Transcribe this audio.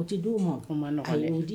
O te di u ma o o ma nɔgɔn dɛ ayi nin di